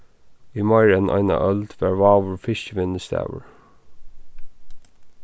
í meira enn eina øld var vágur fiskivinnustaður